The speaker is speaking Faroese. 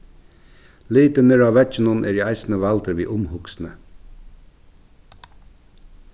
litirnir á veggjunum eru eisini valdir við umhugsni